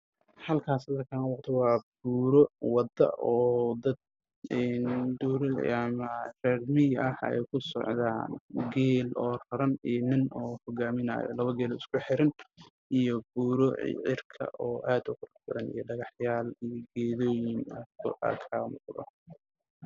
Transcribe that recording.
Waxaa ii muuqda geel fara badan waxaa ka dambeeyay buuro dhaadheer qarax sii dhacayso